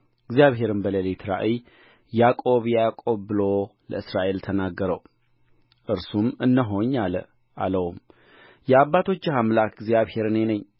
ዛራ ዔርና አውናን በከነዓን ምድር ሞቱ የፋሬስም ልጆች